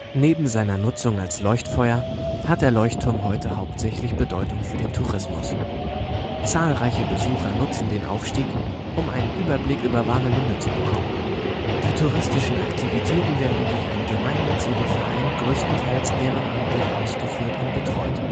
Neben seiner Nutzung als Leuchtfeuer hat der Leuchtturm heute hauptsächlich Bedeutung für den Tourismus. Zahlreiche Besucher nutzen den Aufstieg, um einen Überblick über Warnemünde zu bekommen. Die touristischen Aktivitäten werden durch einen Gemeinnützigen Verein größtenteils ehrenamtlich ausgeführt und betreut